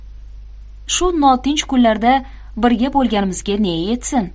shu notinch kunlarda birga bo'lganimizga ne yetsin